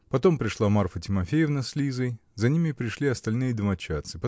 потом пришла Марфа Тимофеевна с Лизой, за ними пришли остальные домочадцы